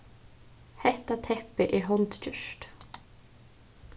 hetta teppið er hondgjørt